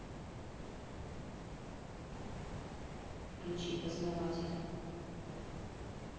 включи познаватель